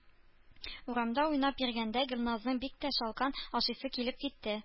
Урамда уйнап йөргәндә Гөльназның бик тә шалкан ашыйсы килеп китте